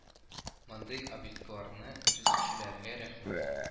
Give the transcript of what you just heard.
Мондый объектларны төзүчеләргә рәхмәт